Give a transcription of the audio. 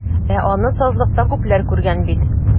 Ә аны сазлыкта күпләр күргән бит.